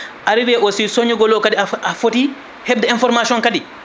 arrivé cooñugol o kadi a foti hebde information kadi